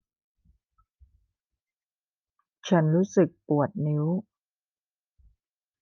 ฉันรู้สึกปวดนิ้ว